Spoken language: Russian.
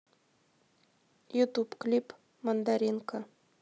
ютуб клип мандаринка